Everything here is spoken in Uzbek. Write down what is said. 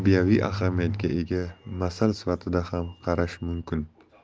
ahamiyatga ega masal sifatida ham qarash mumkin